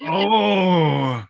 Ooo!